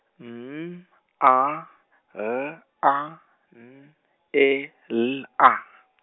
N A L A N E L A.